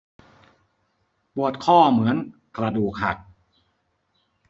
ปวดข้อเหมือนกระดูกหัก